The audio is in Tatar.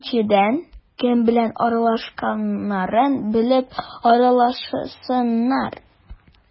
Икенчедән, кем белән аралашканнарын белеп аралашсыннар.